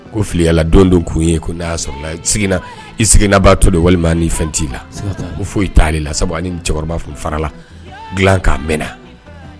Ko fili yalala don don kun ye ko na i i seginnana b'a to don walima ni fɛn t'i la foyi i t'ale la sabu ni cɛkɔrɔba fo farala dila k' mɛnna